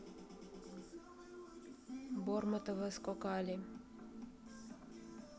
бормотова скокали